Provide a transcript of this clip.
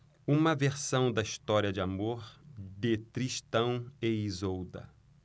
uma versão da história de amor de tristão e isolda